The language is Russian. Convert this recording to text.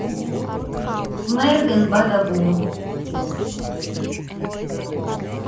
marvin бадабум